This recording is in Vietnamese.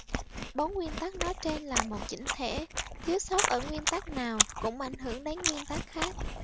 bốn nguyên tắc nói trên là một chỉnh thể thiếu sót ở nguyên tắc nào cũng ảnh hưởng đến nguyên tắc khác